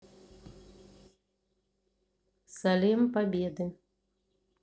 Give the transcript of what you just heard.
salem победы